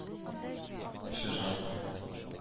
Чыжым